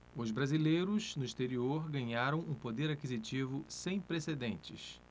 os brasileiros no exterior ganharam um poder aquisitivo sem precedentes